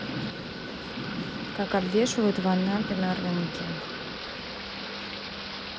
как обвешивают в анапе на рынке